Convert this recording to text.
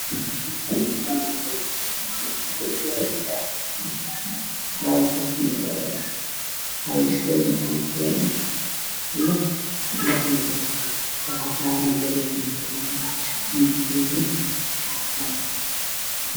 Taliyow cadkaan waxbo lagama fahmaayo